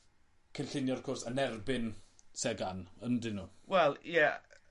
cynllunio'r cwrs yn erbyn Sagan yndyn n'w. Wel ie